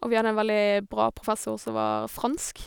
Og vi hadde en veldig bra professor som var fransk.